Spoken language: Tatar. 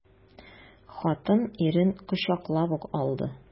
Хатын ирен кочаклап ук алды.